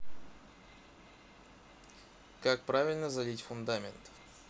как правильно залить фундамент